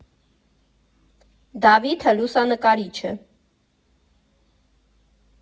Դավիթը լուսանկարիչ է։